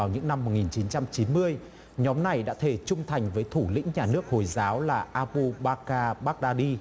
vào những năm một nghìn chín trăm chín mươi nhóm này đã thề trung thành với thủ lĩnh nhà nước hồi giáo là a bu ba ca bác đa đi